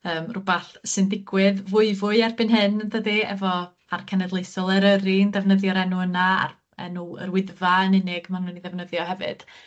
yym rwbath sy'n digwydd fwy fwy erbyn hyn yndydi, efo Parc Cenedlaethol Eryri yn defnyddio'r enw yna, a'r enw Yr Wyddfa yn unig ma' nw'n 'i ddefnyddio hefyd